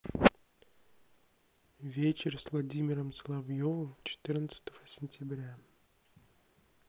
вечер с владимиром соловьевым четырнадцатого сентября